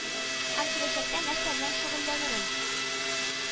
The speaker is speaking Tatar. Һәм киләчәктә нәрсә белән шөгыльләнерен